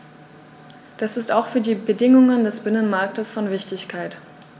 Das ist auch für die Bedingungen des Binnenmarktes von Wichtigkeit.